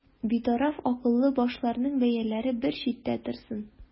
Битараф акыллы башларның бәяләре бер читтә торсын.